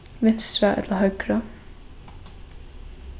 vinstra ella høgra